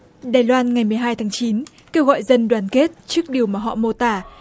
đài loan ngày mười hai tháng chín kêu gọi dân đoàn kết chiếc điều mà họ mô tả